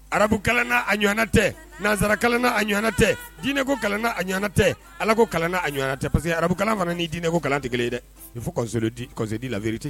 Arabuka a ɲɔgɔnana tɛ nanzsarakaana a ɲɔgɔnana tɛ diinɛko kalan a ɲɔgɔnana tɛ ala ko kalan a ɲɔgɔntɛ parce que arabukala fana' diinɛko kalande kelen ye dɛ di labite